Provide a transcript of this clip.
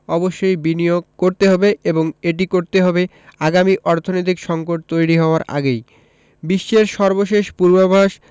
অবশ্যই বিনিয়োগ করতে হবে এবং এটি করতে হবে আগামী অর্থনৈতিক সংকট তৈরি হওয়ার আগেই বিশ্বের সর্বশেষ পূর্বাভাস